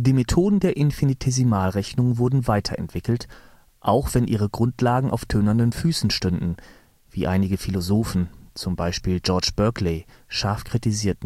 Methoden der Infinitesimalrechnung wurden weiter entwickelt, auch wenn ihre Grundlagen auf tönernen Füßen stünden, wie einige Philosophen, zum Beispiel George Berkeley, scharf kritisieren